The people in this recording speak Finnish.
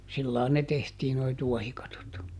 sillä lailla ne tehtiin nuo tuohikatot